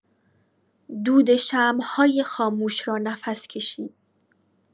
دود شمع‌های خاموش را نفس کشید.